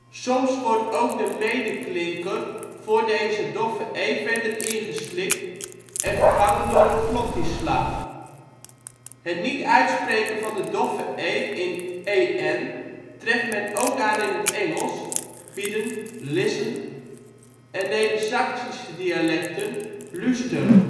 Soms wordt ook de medeklinker voor deze doffe e verder ingeslikt, en vervangen door een glottisslag (zie verder). Het niet uitspreken van de doffe e in – en treft men ook aan in het Engels (beaten, listen) en Nedersaksische dialecten (luustern